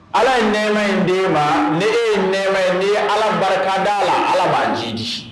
Ala ye nɛma in den ma ni e ye nɛma in ne ye Ala barika da a la Ala b'a jii di.